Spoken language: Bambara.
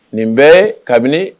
Nin bɛ kabini